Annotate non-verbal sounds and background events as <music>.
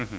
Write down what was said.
<hesitation> <hesitation>